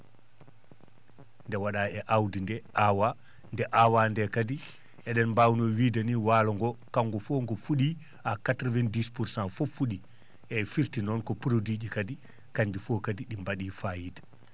nde wa?aa e aawdi nde aawaa nde aawaa nde kadi e?en mbaawnoo wiide ni waalo ngoo kanngo fof ngo fu?ii à 90 pour cent fof fu?ii eeyi firti noon ko produit ji kadi kan?i fof kadi ?i ba?ii fayida